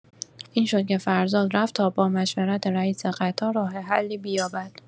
این شد که فرزاد رفت تا با مشورت رئیس قطار راه حلی بیابد.